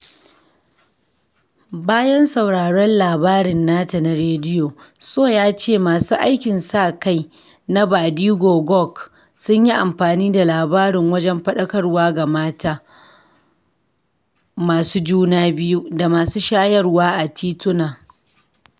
Bayan sauraron labarin nata na rediyo, Sow ya ce masu aikin sa-kai na Badianou Guokh sun yi amfani da labarin wajen faɗakarwa ga mata masu juna biyu da masu shayarwa a tituna.